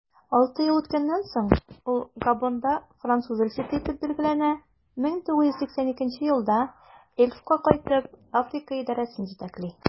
Алты ел үткәннән соң, ул Габонда француз илчесе итеп билгеләнә, 1982 елда Elf'ка кайтып, Африка идарәсен җитәкли.